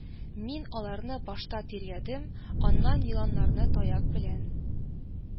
Мин аларны башта тиргәдем, аннан еланнарны таяк белән